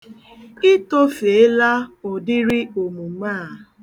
I tofeela ụdịrị omume a.